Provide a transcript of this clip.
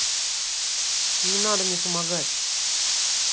не надо мне помогать